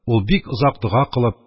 Ул, бик озак дога кылып: